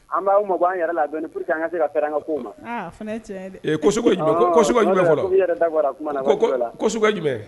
An b' ma an yɛrɛ la an ka se ka ko ma